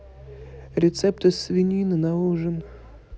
рецепты из свинины на ужин